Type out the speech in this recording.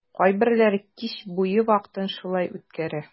Кайберләре кич буе вакытын шулай үткәрә.